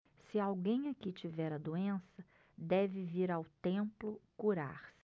se alguém aqui tiver a doença deve vir ao templo curar-se